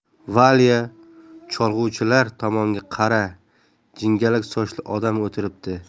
valya cholg'uvchilar tomonga qara jingalak sochli odam o'tiribdi